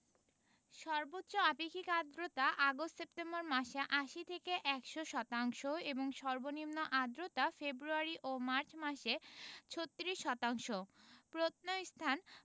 সর্বোচ্চ আপেক্ষিক আর্দ্রতা আগস্ট সেপ্টেম্বর মাসে ৮০ থেকে ১০০ শতাংশ এবং সর্বনিম্ন আর্দ্রতা ফেব্রুয়ারি ও মার্চ মাসে ৩৬ শতাংশ প্রত্নস্থানঃ